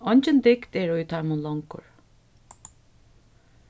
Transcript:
eingin dygd er í teimum longur